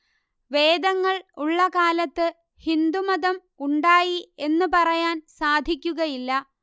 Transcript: വേദങ്ങൾ ഉള്ള കാലത്ത് ഹിന്ദു മതം ഉണ്ടായി എന്ന് പറയാൻ സാധക്കുകയില്ല